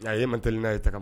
A ye mantan n'a ye ta ka